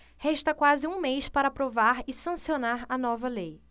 resta quase um mês para aprovar e sancionar a nova lei